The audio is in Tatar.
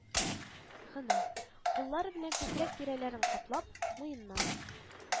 Гына, куллары белән күкрәк тирәләрен каплап, муеннан